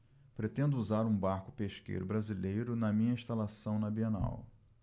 pretendo usar um barco pesqueiro brasileiro na minha instalação na bienal